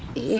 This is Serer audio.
i